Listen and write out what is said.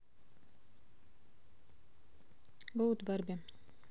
god барби